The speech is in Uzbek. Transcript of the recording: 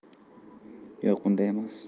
yo'q bunday emas